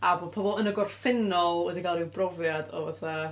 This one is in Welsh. A bod pobl yn y gorffennol wedi cael ryw brofiad, o fatha...